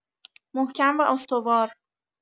محکم و استوار!